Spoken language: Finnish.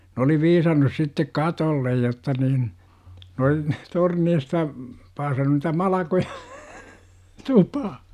ne oli viisannut sitten katolle jotta niin ne oli torneista paasannut niitä malkoja tupaan